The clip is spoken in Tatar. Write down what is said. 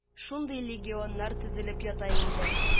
Шундый легионнар төзелеп ята инде.